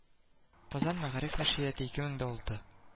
Казан: Мәгариф нәшрияты, ике мең алты